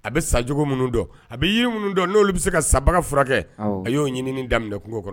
A be sajogo minnu dɔn a be yiri minnu dɔn n'olu be se ka sa baga furakɛ awɔ a y'o ɲininin daminɛ kungo kɔ